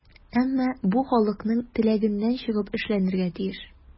Әмма бу халыкның теләгеннән чыгып эшләнергә тиеш.